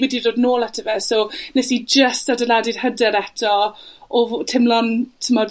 wedi dod nôl ato fe, so, nes i jyst adeiladu'r hyder eto, o ho- timlo'n t'mod